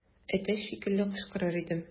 Әтәч шикелле кычкырыр идем.